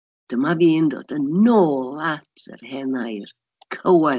Dyma fi'n dod yn ôl at yr hen air, cywair.